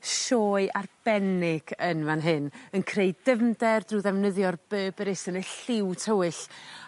sioe arbennig yn fan hyn yn creu dyfnder drw ddefnyddio'r Berberis yn y lliw tywyll